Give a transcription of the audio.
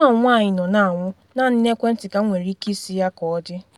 Nwa m nwanyị nọ na anwụ, naanị n’ekwentị ka m nwere ike isi ya ka ọ dị